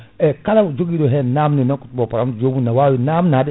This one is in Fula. e kala joguiɗo hen namdi bo * jomum ne wawi namnade